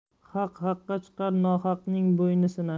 haq haqqa chiqar nohaqning bo'yni sinar